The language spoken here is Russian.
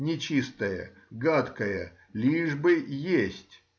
— нечистое, гадкое, лишь бы есть!